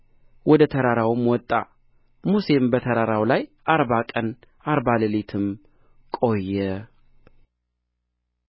ወደ ተራራውም ወጣ ሙሴም በተራራው ላይ አርባ ቀን አርባ ሌሊትም ቆየ